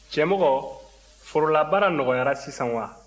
cɛmɔgɔ forolabaara nɔgɔyara sisan wa